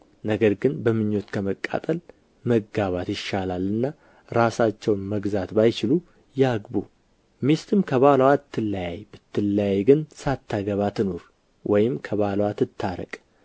ነገር ግን በምኞት ከመቃጠል መጋባት ይሻላልና ራሳቸውን መግዛት ባይችሉ ያግቡ ሚስትም ከባልዋ አትለያይ ብትለያይ ግን ሳታገባ ትኑር ወይም ከባልዋ ትታረቅ